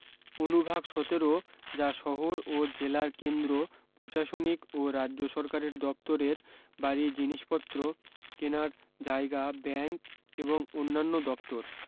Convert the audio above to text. অনুভাগ সতেরো যা শহর ও জেলার কেন্দ্র প্রশাসনিক ও রাজ্য সরকারের দফতরের বাড়ী জিনিসপত্র কেনার জায়গা ব্যাঙ্ক এবং অন্যান্য দফতর